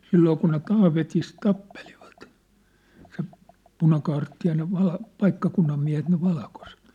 silloin kun ne Taavetissa tappelivat se punakaarti ja ne - paikkakunnan miehet ne valkoiset